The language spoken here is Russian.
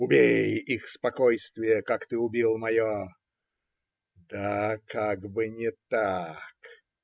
Убей их спокойствие, как ты убил мое. Да, как бы не так!.